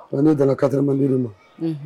Wa ne nana kat malibili ma